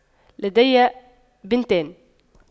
لدي بنتان